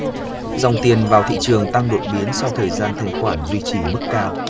dòng tiền vào thị trường tăng đột biến sau thời gian thanh khoản duy trì mức cao